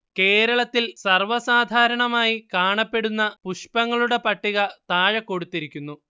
കേരളത്തിൽ സർവ്വസാധാരണമായി കാണപ്പെടുന്ന പുഷ്പങ്ങളുടെ പട്ടിക താഴെ കൊടുത്തിരിക്കുന്നു